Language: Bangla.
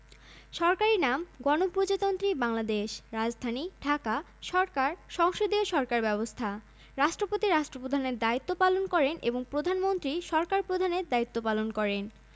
দেশের প্রায় ৭৫ শতাংশ ভূমিই সমুদ্র সমতল থেকে মাত্র তিন মিটারের চাইতেও কম উঁচু এবং প্রতিনিয়ত বন্যা ও ঘূর্ণিঝড়ের মতো প্রাকৃতিক দুর্যোগে আক্রান্ত হয়